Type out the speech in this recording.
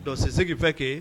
Don c'est ce qui fait que